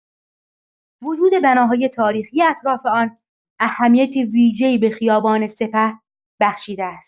وجود بناهای تاریخی اطراف آن اهمیت ویژه‌ای به خیابان سپه بخشیده است.